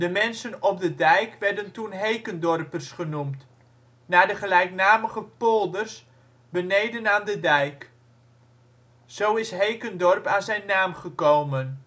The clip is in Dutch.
mensen op de dijk werden toen ' Hekendorpers ' genoemd, naar de gelijknamige polders benenden aan de dijk. Zo is Hekendorp aan zijn naam gekomen